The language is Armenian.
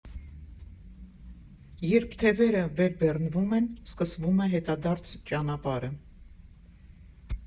Երբ «Թևերը» վերբեռնվում են, սկսվում է հետադարձ ճանապարհը։